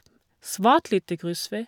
Svært lite grusvei.